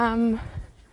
am